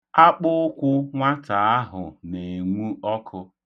Akpụụkwụ nwata ahụ na-enwu ọkụ.